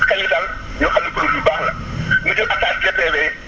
si xel yi daal ñu xam ne produit bu baax la ñu jël attache DPV